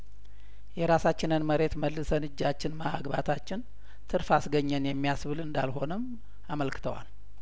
የራሳችንን መሬት መልሰን እጃችን ማግባታችን ትርፍ አስገኘን የሚያስብል እንዳልሆነም አመልክተዋል